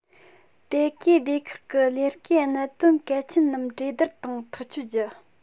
དེ གའི སྡེ ཁག གི ལས ཀའི གནད དོན གལ ཆེན རྣམས གྲོས བསྡུར དང ཐག གཅོད རྒྱུ